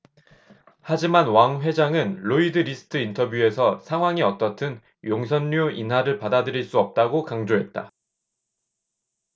하지만 왕 회장은 로이드리스트 인터뷰에서 상황이 어떻든 용선료 인하를 받아들일 수 없다고 강조했다